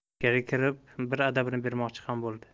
ichkari kirib bir adabini bermoqchi ham bo'ldi